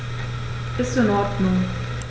Ist in Ordnung.